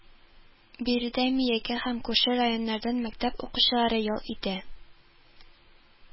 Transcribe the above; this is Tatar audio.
Биредә Миякә һәм күрше районнардан мәктәп укучылары ял итә